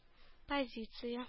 Позиция